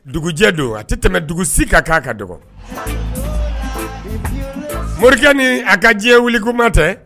Dugujɛ don a tɛ tɛmɛ dugusi k'a ka dɔgɔ Morikɛ ni a ka diɲɛ wulikuma tɛ